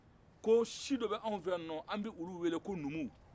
ko si dɔ bɛ anw fɛ yan k'an b'olu wele ko numu